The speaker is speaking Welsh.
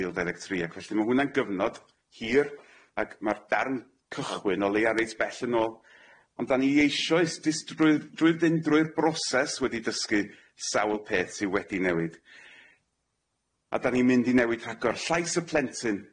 Dwy fil ddeg ddeg tri ac felly ma' hwnna'n gyfnod hir ac ma'r darn cychwyn o leia reit bell yn ôl ond 'dan ni eishes jyst drwy- drwy'r dyn drwy'r broses wedi dysgu sawl peth sy wedi newid a dan ni'n mynd i newid rhagor llais y plentyn.